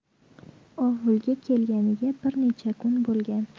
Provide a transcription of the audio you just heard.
ovulga kelganiga bir necha kun bo'lgan